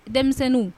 Denmisɛnninw